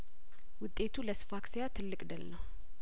ውጤቱ ለስ ፋክስ ያትልቅ ድል ነው